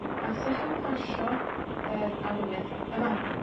basech chi'n pasio yr arwydd yma.